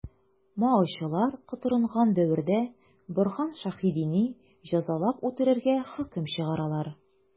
Маочылар котырынган дәвердә Борһан Шәһидине җәзалап үтерергә хөкем чыгаралар.